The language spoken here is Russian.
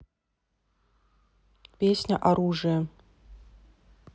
песня оружие